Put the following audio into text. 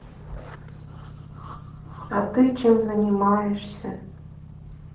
а ты чем занимаешься